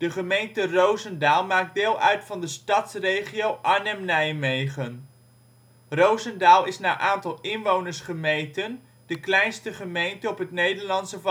gemeente Rozendaal maakt deel uit van de Stadsregio Arnhem-Nijmegen. Rozendaal is naar aantal inwoners gemeten de kleinste gemeente op het Nederlandse